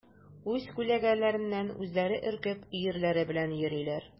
Үз күләгәләреннән үзләре өркеп, өерләре белән йөриләр.